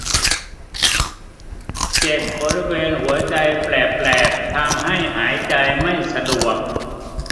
เจ็บบริเวณหัวใจแปลบแปลบทำให้หายใจไม่สะดวก